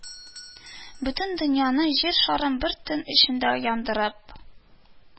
Бөтен дөньяны, Җир шарын бер төн эчендә яндырып